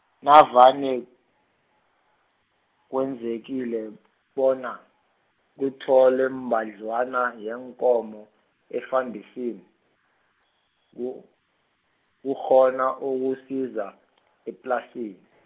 navane, kwenzekile , bona, kutholwe mbadlwana, yeenkomo efandesini, ku- kukghona ukusiza , eplasini.